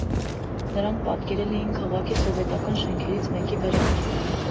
Նրան պատկերել էին քաղաքի սովետական շենքերից մեկի վրա։